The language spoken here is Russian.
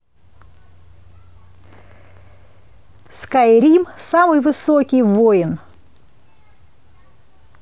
скайрим самый высокий войн